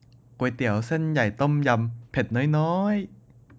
ก๋วยเตี๋ยวเส้นใหญ่ต้มยำเผ็ดน้อยน้อย